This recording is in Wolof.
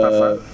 Pafa